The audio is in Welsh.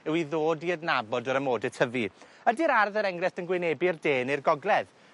yw i ddod i adnabod yr amode tyfu. Ydi'r ardd yr enghrefft yn gwynebu'r de ne'r gogledd?